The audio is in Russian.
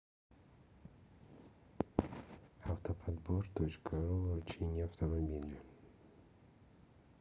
автоподбор точка ру вручение автомобиля